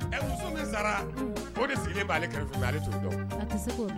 Muso min o de sigilen b'aale kɛrɛfɛ ale tun dɔn